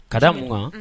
Ka munugan